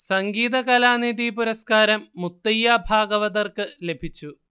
സംഗീത കലാനിധി പുരസ്കാരം മുത്തയ്യാ ഭാഗവതർക്ക് ലഭിച്ചു